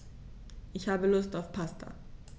Ich habe Lust auf Pasta.